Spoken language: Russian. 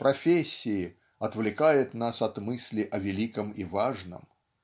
профессии отвлекает нас от мысли о великом и важном.